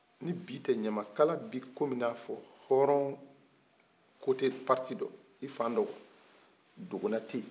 ni bi tɛ ɲamakala bi kom'i n'a fɔ hɔrɔn kote pariti dɔ i fan dɔ dogonan te ye